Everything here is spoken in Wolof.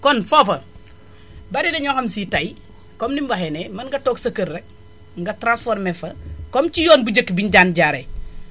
kon foofa bari na ñoo xam ne si tay comme ni mu waxee ne mën nga toog sa kër rek nga transformé :fran fa comme ci yoon bu njëkk bi énu daan jaaree